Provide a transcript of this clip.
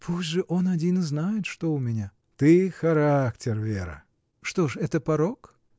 — Пусть же Он один и знает, что у меня! — Ты — характер, Вера! — Что ж, это порок?